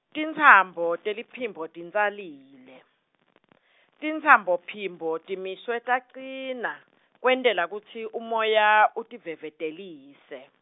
tintsambo teliphimbo tintsalile , tintsambophimbo timiswe tacina, kwentela kutsi umoya, utivevetelisa.